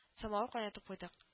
Самовар кайнатып куйдык